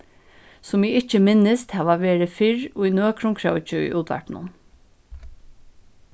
sum eg ikki minnist hava verið fyrr í nøkrum króki í útvarpinum